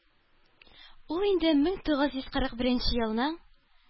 Ул инде мең тугыз йөз кырык беренче елның